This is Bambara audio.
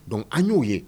Dɔn an y'o ye